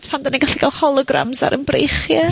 pan 'dan ni'n gallu ga'l holograms ar 'yn breichie.